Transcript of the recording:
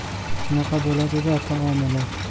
shunaqa bo'ladi da taomili